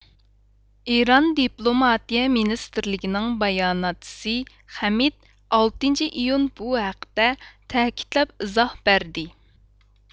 ئىران دىپلوماتىيە مىنىستىرلىكىنىڭ باياناتچىسى خەمىد ئالتىنچى ئىيۇن بۇ ھەقتە تەكىتلەپ ئېزاھ بەردى